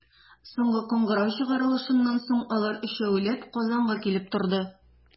Соңгы кыңгырау чыгарылышыннан соң, алар, өчәүләп, Казанга килеп торды.